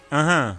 Anhann